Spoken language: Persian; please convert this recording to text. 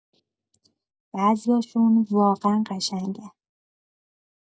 بعضیاشون واقعا قشنگن.